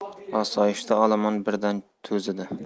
osoyishta olomon birdan to'zidi